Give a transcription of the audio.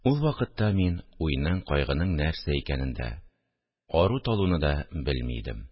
Ул вакытта мин уйның, кайгының нәрсә икәнен дә, ару-талуны да белми идем